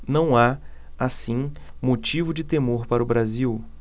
não há assim motivo de temor para o brasil